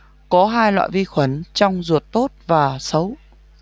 có hai loại vi khuẩn trong ruột tốt và xấu